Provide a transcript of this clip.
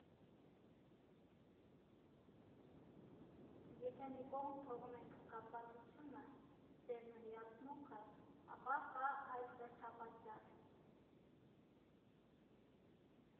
Եթե մի կողմ թողնենք կապվածությունը, սերն ու հիացմունքը, ապա կա այլ դրդապատճառ.